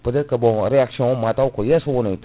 peut être que bon reaction mataw ko yesso wonoyta